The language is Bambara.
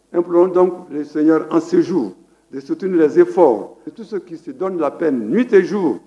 Ep an senz de sut niz fɔ i tɛ kisi dɔ la ni tɛ zuo